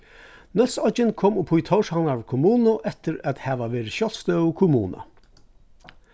nólsoyggin kom upp í tórshavnar kommunu eftir at hava verið sjálvstøðug kommuna